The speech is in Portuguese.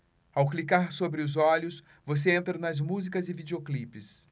ao clicar sobre os olhos você entra nas músicas e videoclipes